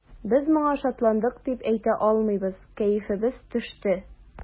Без моңа шатландык дип әйтә алмыйбыз, кәефебез төште.